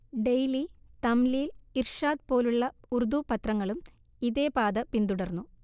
daily, Tamleel, Irshad പോലുള്ള ഉർദു പത്രങ്ങളും ഇതേപാത പിന്തുടർന്നു